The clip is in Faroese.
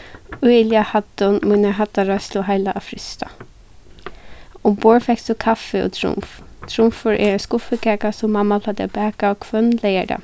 øgiliga hæddin mína hæddarræðsluheila at frysta umborð fekst tú kaffi og trumf trumfur er ein skuffukaka sum mamma plagdi at baka hvønn leygardag